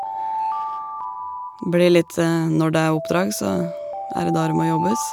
Blir litt, når det er oppdrag, så er det da det må jobbes.